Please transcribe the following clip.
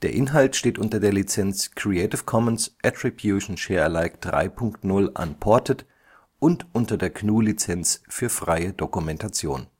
Inhalt steht unter der Lizenz Creative Commons Attribution Share Alike 3 Punkt 0 Unported und unter der GNU Lizenz für freie Dokumentation